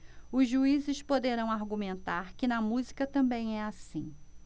os juízes poderão argumentar que na música também é assim